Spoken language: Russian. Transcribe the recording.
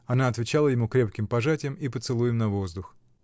Она отвечала ему крепким пожатием и поцелуем на воздух.